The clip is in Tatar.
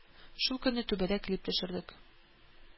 Шул көнне түбәдә клип төшердек